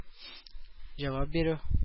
Җавап бирү